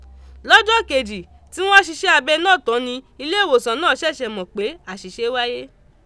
Lọ́jọ́ kejì tí wọ́n ṣiṣẹ́ abẹ náà tán ni ilé ìwòsàn náà ṣẹ̀ṣẹ̀ mọ̀ pé àṣìṣe wáyé.